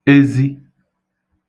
ezi